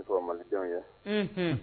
N tora malijan ye h